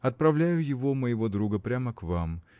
Отправляю его, моего друга, прямо к вам